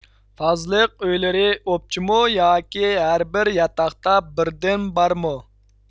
تازىلىق ئۆيلىرى ئوپچىمۇ ياكى ھەربىر ياتاقتا بىردىن بارمۇ